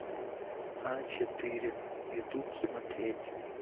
а четыре ютуб смотреть